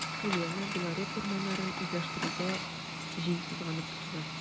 “селена” белорет урманнарын үзләштерүгә җиң сызганып тотына.